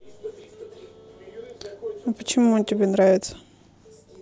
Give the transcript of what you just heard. а почему он тебе нравится